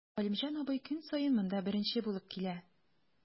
Галимҗан абый көн саен монда беренче булып килә.